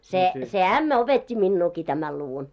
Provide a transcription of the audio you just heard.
se se ämmä opetti minuakin tämän luvun